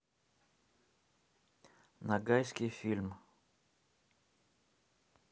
нагайский фильм